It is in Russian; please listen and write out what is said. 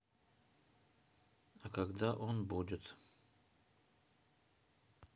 а когда он будет